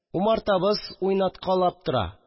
Умартамыз уйнаткалап тора